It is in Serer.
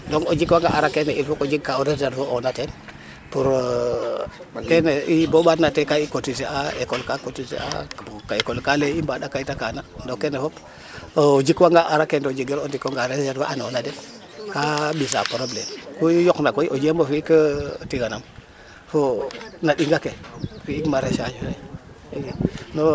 Donc o jikwanga aar akene il faut ko jeg ka reserver ona teen pour e% kene bo o ɓaatna te ka i cotiser a école ka cotiser a école ka lay i mbaaɗa kayit akaana to kene fop o jikwanga a aar ake ne to jegiro o ndik onqa reserver anoona den xa ɓis a probléme ku yoqna koy o jem o fi'ik tiganam fo na ɗing ake fi'ik maréchage fe ii.